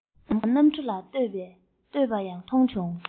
ནམ མཁའ དང གནམ གྲུ ལ གཏད ཡོད པ མཐོང བྱུང